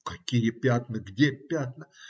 - Какие пятна, где пятна?